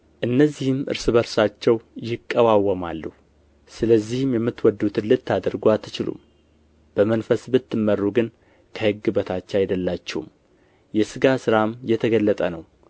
እነዚህም እርስ በርሳቸው ይቀዋወማሉ ስለዚህም የምትወዱትን ልታደርጉ አትችሉም በመንፈስ ብትመሩ ግን ከሕግ በታች አይደላችሁም የሥጋ ሥራም የተገለጠ ነው